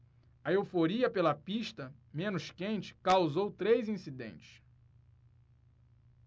a euforia pela pista menos quente causou três incidentes